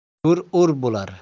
ko'r o'r bo'lar